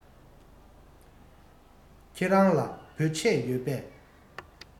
ཁྱེད རང ལ བོད ཆས ཡོད པས